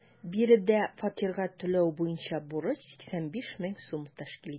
Биредә фатирга түләү буенча бурыч 85 мең сум тәшкил итә.